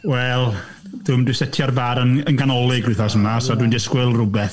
Wel, dwi'm 'di setio'r bar yn yn ganolig wythnos yma, so dwi'n disgwyl rywbeth.